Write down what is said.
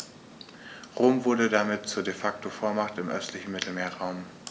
Rom wurde damit zur ‚De-Facto-Vormacht‘ im östlichen Mittelmeerraum.